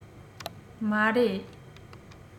མ རེད